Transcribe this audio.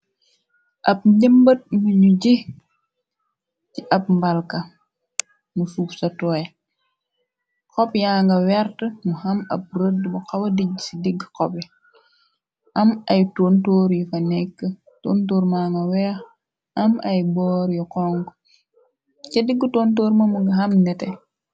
ab njëmbat mu nu ji ci ab mbalka mu fug sa tooy xob yaa nga wert mu xam ab rëdd bu xawa dij ci digg xopi am ay toontoor yu fa nekk tontoor manga weex am ay boor yu xong ci digg tontoor mamanga xam nete